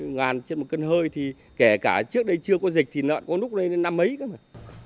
ngàn trên một cân hơi thì kể cả trước đây chưa có dịch thịt lợn có lúc lên đến năm mấy cơ mà